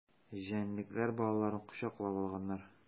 Җәнлекләр балаларын кочаклап алганнар.